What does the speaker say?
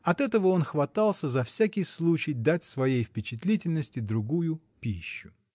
От этого он хватался за всякий случай дать своей впечатлительности другую пищу.